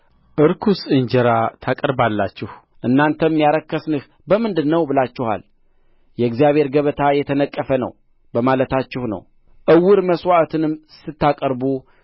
ርኩስ እንጀራ ታቀርባላችሁ እናንተም ያረከስንህ በምንድር ነው ብላችኋል የእግዚአብሔር ገበታ የተነቀፈ ነው በማለታችሁ ነው ዕውር መሥዋዕትንም ስታቀርቡ